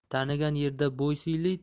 tanigan yerda bo'y siyli